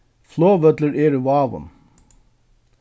flogvøllur er í vágum